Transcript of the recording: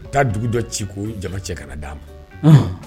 U taa dugu dɔ ci ko jama cɛ kana d'a ma